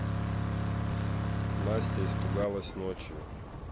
настя испугалась ночью